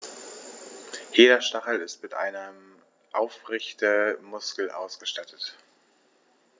Jeder Stachel ist mit einem Aufrichtemuskel ausgestattet.